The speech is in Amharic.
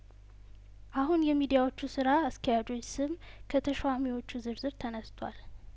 አሁን የሚዲያዎቹ ስራ አስኪያጆች ስም ከተሿሚዎቹ ዝርዝር ተነስቷል